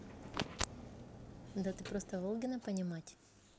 да просто волгина понимать